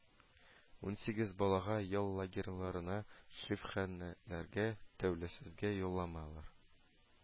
Унсигез балага ял лагерьларына, шифаханәләргә түләүсез юлламалар